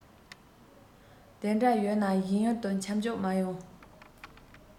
དེ འདྲ ཡོད ན གཞན ཡུལ དུ ཁྱམས བཅུག མི ཡོང